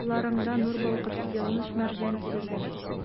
Алларыңда, нур балкытып, язмыш-мәрҗән тезелгән.